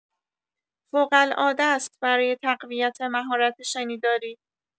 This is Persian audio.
فوق العادست برای تقویت مهارت شنیداری